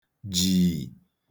jìì